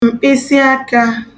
m̀kpịsị akā